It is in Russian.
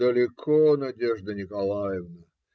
- Далеко, Надежда Николаевна.